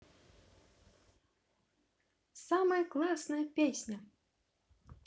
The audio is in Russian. самая классная песня